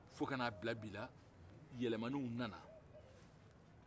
fo kana bila bi la yɛlɛmanniw nana